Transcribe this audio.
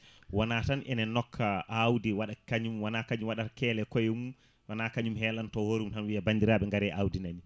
wona tan ene nokka awdi waɗa kañum wona kañum waɗata keele koyemum wona kañum heelanto hoore mum tan wiya bandiraɓe gare awdi nani